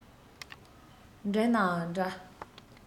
འགྲིག ནའང འདྲ